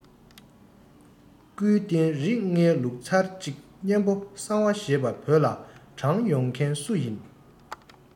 སྐུའི རྟེན རིགས ལྔའི ལུགས ཚར གཅིག གཉན པོ གསང བ ཞེས པ བོད ལ དྲངས ཡོང མཁན སུ ཡིན